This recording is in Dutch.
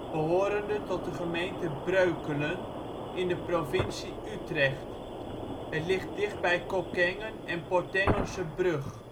behorende tot de gemeente Breukelen in de provincie Utrecht. Het ligt dichtbij Kockengen en Portengense Brug